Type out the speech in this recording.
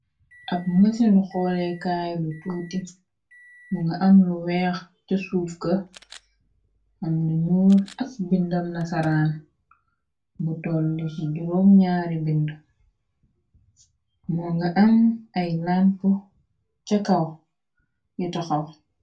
ab mësindu xoolekaay lu tuuti mu nga am lu weex ca suuf ka am lu ñuur ak bindam na saraan bu tolli ci juróog ñaari bind moo nga am ay lamp ca kaw yi taxaw